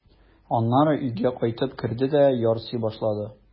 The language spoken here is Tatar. Аннары өйгә кайтып керде дә ярсый башлады.